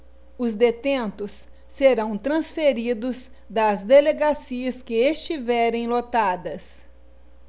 os detentos serão transferidos das delegacias que estiverem lotadas